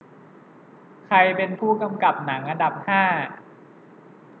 ใครเป็นผู้กำกับหนังอันดับห้า